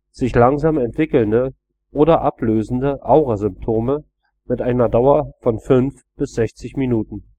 sich langsam entwickelnde oder ablösende Aurasymptome mit einer Dauer von 5 – 60 min